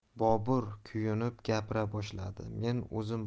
bobur kuyunib gapira boshladi men o'zim